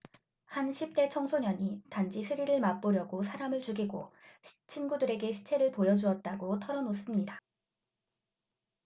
한 십 대 청소년이 단지 스릴을 맛보려고 사람을 죽이고 친구들에게 시체를 보여 주었다고 털어놓습니다